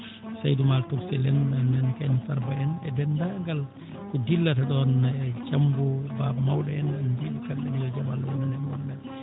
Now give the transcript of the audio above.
Saydou Maal tokosel en noon kay Farba en e deenndaangal ko gillata ɗoon e Diambo Baba mawɗo en mbiyii ɓe kamɓe ne yo jam Allah wonan en wonana ɓe